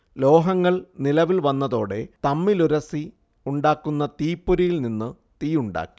ലോഹങ്ങൾ നിലവിൽ വന്നതോടെ തമ്മിലുരസി ഉണ്ടാക്കുന്ന തീപൊരിയിൽനിന്ന് തീയുണ്ടാക്കി